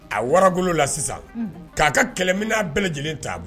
A wara golo la sisan k'a ka kɛlɛ min n'a bɛɛ lajɛlen t taabolo bɔ